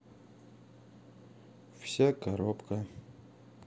вся коробка